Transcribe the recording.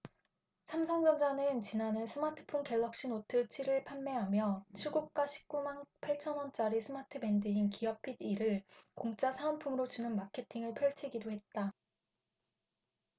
삼성전자는 지난해 스마트폰 갤럭시노트 칠 을 판매하며 출고가 십 구 만 팔천 원짜리 스마트밴드인 기어핏 이 를 공짜 사은품으로 주는 마케팅을 펼치기도 했다